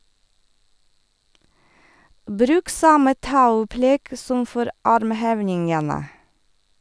Bruk samme tauopplegg som for armhevningene.